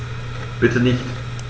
Bitte nicht.